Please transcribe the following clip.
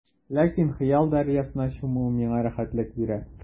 Ләкин хыял дәрьясына чуму миңа рәхәтлек бирә.